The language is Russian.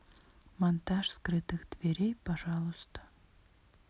монтаж скрытых дверей пожалуйста